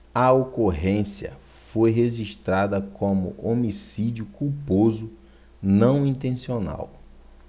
a ocorrência foi registrada como homicídio culposo não intencional